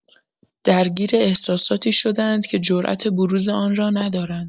درگیر احساساتی شده‌اند که جرات بروز آن را ندارند.